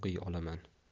tilida o'qiy olaman